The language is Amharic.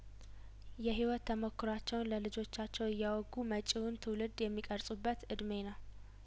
የህይወት ተሞክሯቸው ለልጆቻቸው እያወጉ መጪውን ትውልድ የሚቀርጹበት እድሜ ነው